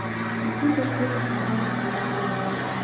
Әти, пешкәч ашарга җиңелрәк була ул.